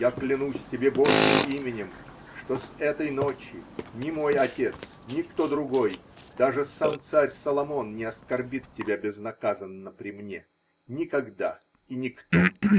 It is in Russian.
Я клянусь тебе Божьим именем, что с этой ночи ни мой отец, ни кто другой, даже сам царь Соломон, не оскорбит тебя безнаказанно при мне. Никогда и никто!